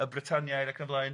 y Britaniaid ac yn blaen.